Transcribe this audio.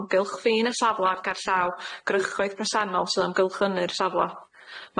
amgylch ffin y safla' ac ar llaw grychoedd presennol sydd amgylchynu'r safla.